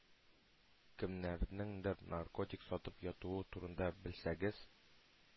Кемнәрнеңдер наркотик сатып ятуы турында белсәгез,